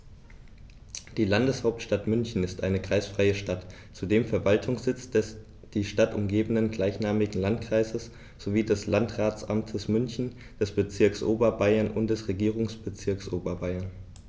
Die Landeshauptstadt München ist eine kreisfreie Stadt, zudem Verwaltungssitz des die Stadt umgebenden gleichnamigen Landkreises sowie des Landratsamtes München, des Bezirks Oberbayern und des Regierungsbezirks Oberbayern.